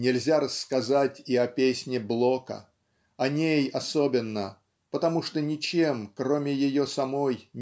Нельзя рассказать и о песне Блока о ней особенно потому что ничем кроме ее самой